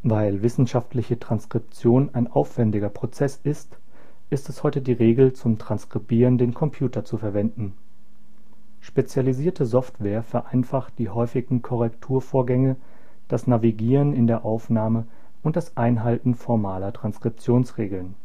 Weil wissenschaftliche Transkription ein aufwändiger Prozess ist, ist es heute die Regel, zum Transkribieren den Computer zu verwenden: Spezialisierte Software vereinfacht die häufigen Korrekturvorgänge, das Navigieren in der Aufnahme und das Einhalten formaler Transkriptionsregeln